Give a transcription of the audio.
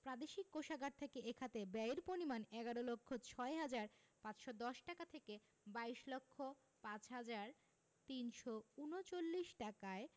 প্রাদেশিক কোষাগার থেকে এ খাতে ব্যয়ের পরিমাণ ১১ লক্ষ ৬ হাজার ৫১০ টাকা থেকে ২২ লক্ষ ৫ হাজার ৩৩৯ টাকায়